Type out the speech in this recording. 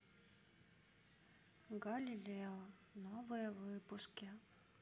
галилео новые выпуски